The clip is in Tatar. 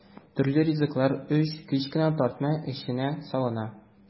Төрле ризыклар өч кечкенә тартма эченә салына.